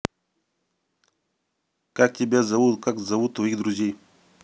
как тебя зовут как зовут твоих друзей